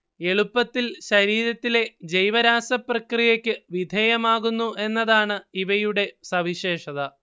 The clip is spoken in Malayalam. എളുപ്പത്തിൽ ശരീരത്തിലെ ജൈവരാസപ്രക്രിയയ്ക്ക് വിധേയമാകുന്നു എന്നതാണ് ഇവയുടെ സവിശേഷത